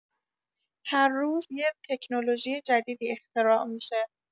هر روز یه تکنولوژی جدیدی اختراع می‌شه.